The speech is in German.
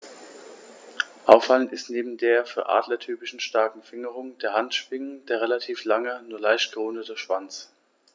Auffallend ist neben der für Adler typischen starken Fingerung der Handschwingen der relativ lange, nur leicht gerundete Schwanz.